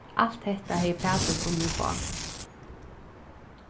alt hetta hevði pætur funnið uppá